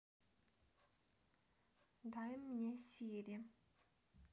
дай мне сири